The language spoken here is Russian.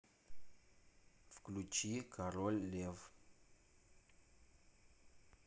включи король лев